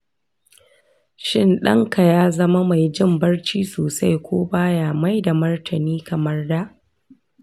shin ɗan ka ya zama mai jin barci sosai ko ba ya maida martani kamar da?